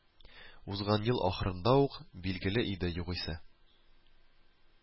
Узган ел ахырында ук, билгеле иде, югыйсә